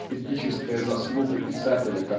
эстетическая заслуга писателя